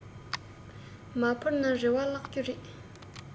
མ འཕུར ན རེ བ བརླགས རྒྱུ རེད